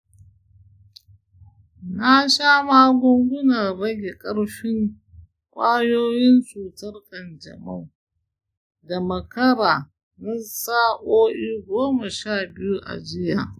na sha magungunan rage ƙarfin ƙwayoyin cutar kanjamau da makara na sa'o'i goma sha biyu a jiya.